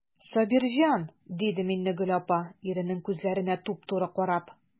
Сабирҗан,– диде Миннегөл апа, иренең күзләренә туп-туры карап.